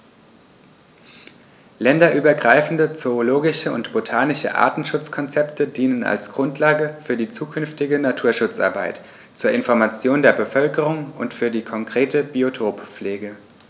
Länderübergreifende zoologische und botanische Artenschutzkonzepte dienen als Grundlage für die zukünftige Naturschutzarbeit, zur Information der Bevölkerung und für die konkrete Biotoppflege.